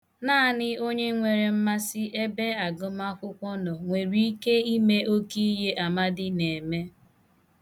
Naanị onye nwere mmasị ebe agụmakwụkwọ nọ nwere ike ime oke ihe Amadị na-eme.